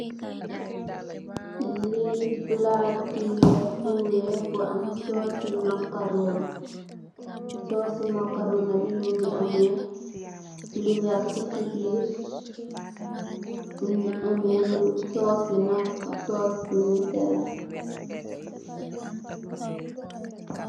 Lii plaati wehrre bu wekh bu am sauce cii makarohnah, sauce cii makarohnah bii mungy ameh lu wehrrtu cii birr, mungy ameh lu, sauce bii nak, sauce bu nehteh la.